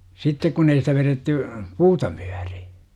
sitten kun ei sitä vedetty puuta myöten